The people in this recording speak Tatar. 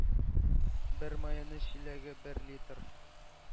(бер майонез чиләге – бер литр.